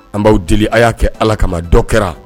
An b'aw deli a y'a kɛ ala kama dɔ kɛra